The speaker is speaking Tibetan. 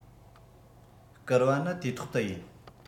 བསྐུར བའི ནི དུས ཐོག ཏུ ཡིན